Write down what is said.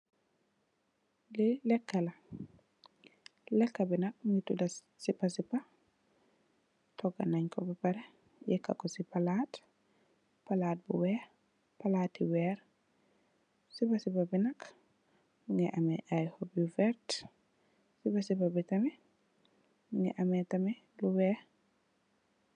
Lee lekala leka bi nak mungi tuda sipa sipa toga nenko bapareh yekako ci palat palat bu weex palati weer sipa sipa bi nak mungi ameh ay hop yu veert sipa sipa bi tamit mungi ameh tamit lu weex